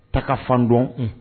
Ta ka fan dɔn